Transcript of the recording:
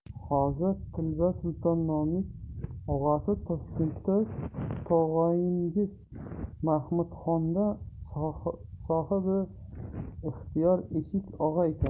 hozir tilba sulton nomlik og'asi toshkentda tog'oyingiz mahmudxonda sohibixtiyor eshik og'a ekan